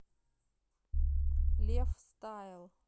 лев стайл